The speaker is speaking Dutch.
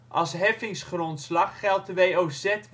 Als heffingsgrondslag geldt de WOZ-waarde